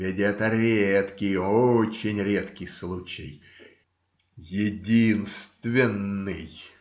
Ведь это редкий, очень редкий случай, единственный.